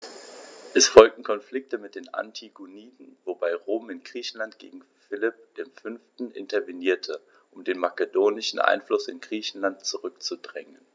Es folgten Konflikte mit den Antigoniden, wobei Rom in Griechenland gegen Philipp V. intervenierte, um den makedonischen Einfluss in Griechenland zurückzudrängen.